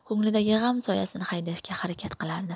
ko'nglidagi g'am soyasini haydashga harakat qilardi